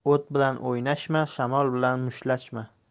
o't bilan o'ynashma shamol bilan mushtlashma